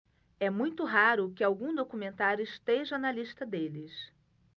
é muito raro que algum documentário esteja na lista deles